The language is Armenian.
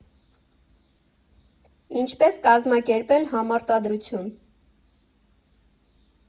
Ինչպես կազմակերպել համարտադրություն։